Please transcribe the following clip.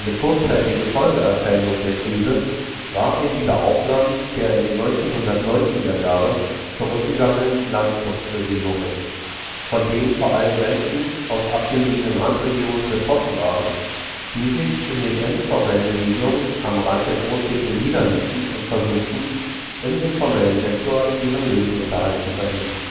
kurzzeitige Folgeerscheinung der Krise war ein Wiederaufflammen der in den 1990er Jahren zurückgegangenen Landfluchtsbewegungen, von denen vor allem Menschen aus abgelegenen Randregionen betroffen waren, die sich in den informellen Siedlungen am Rand der Großstädte niederließen und versuchten, im informellen Sektor ihren Lebensunterhalt zu verdienen